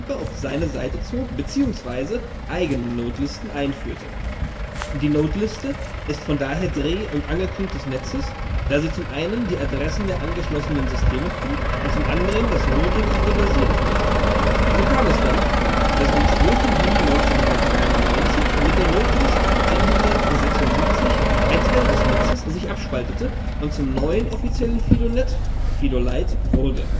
auf seine Seite zog beziehungsweise eigene Nodelisten einführte. Die Nodeliste ist von daher Dreh - und Angelpunkt des Netzes, da sie zum einen die Adressen der angeschlossenen Systeme führt und zum anderen das Routing auf ihr basiert. So kam es dann, dass am 2. Juli 1993 mit der Nodelist 176 ein Teil des Netzes sich abspaltete und zum neuen offiziellen FidoNet (Fido-Lite) wurde